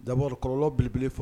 Da kɔrɔlɔ beleele fɔ